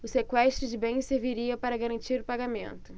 o sequestro de bens serviria para garantir o pagamento